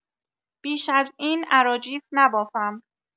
بیش از این اراجیف نبافم.